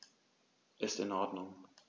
Ist in Ordnung.